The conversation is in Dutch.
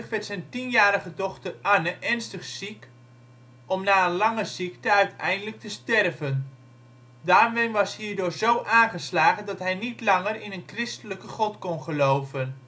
werd zijn tienjarige dochter Anne ernstig ziek om na een lange ziekte uiteindelijk te sterven. Darwin was hierdoor zo aangeslagen dat hij niet langer in een christelijke God kon geloven